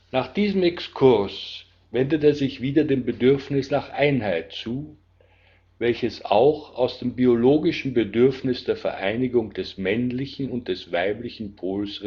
Nach diesem Exkurs wendet er sich wieder dem Bedürfnis nach Einheit zu, welches auch aus dem biologischen Bedürfnis der Vereinigung des männlichen und des weiblichen Pols